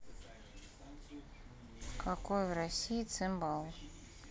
какой в россии цимбал